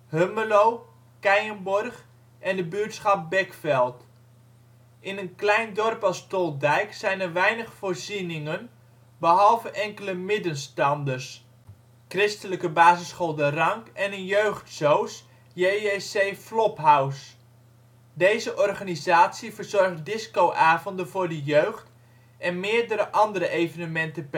Hummelo, Keijenborg en de buurtschap Bekveld. In een klein dorp als Toldijk zijn er weinig voorzieningen, behalve enkele middenstanders, Christelijke Basisschool De Rank en een jeugdsoos, JJC Flophouse. Deze organisatie verzorgt disco-avonden voor de jeugd en meerdere andere evenementen